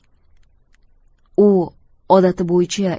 u odati bo'yicha